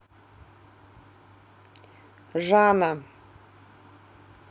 жана